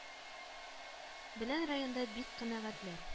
Белән районда бик канәгатьләр